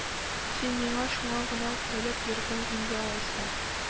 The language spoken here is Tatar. Син миңа шуңа гына үпкәләп йөрдең инде алайса,